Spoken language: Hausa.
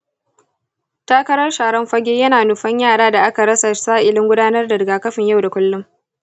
takarar sharan-fage yana nufan yaran da aka rasa sa’ilin gudanar da rigakafin yau da kullum.